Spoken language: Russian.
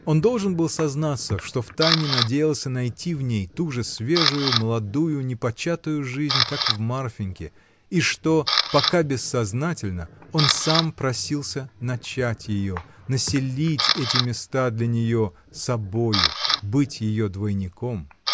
Он должен был сознаться, что втайне надеялся найти в ней ту же свежую, молодую, непочатую жизнь, как в Марфиньке, и что, пока бессознательно, он сам просился начать ее, населить эти места для нее собою, быть ее двойником.